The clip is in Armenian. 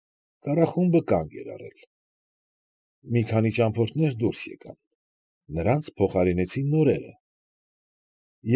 Կառախումբը կանգ էր առել։ Մի քանի ճամփորդներ դուրս եկան, նրանց փոխարինեցին նորերը։